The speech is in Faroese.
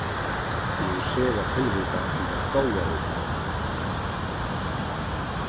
eg eri sera tilvitað um tað góða vit hava